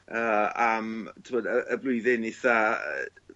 yy am t'bod y y blwyddyn eitha yy